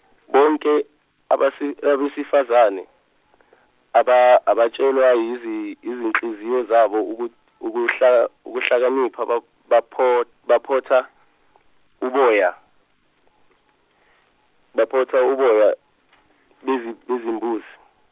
bonke abesi- abesifazane aba- abatshelwa izi- izinhliziyo zabo uku- ukuhla- ukuhlakanipha bap- baphot- baphotha uboya, baphotha uboya bezi- bezimbuzi.